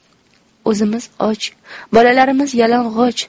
o'zimiz och bolalarimiz yalang'och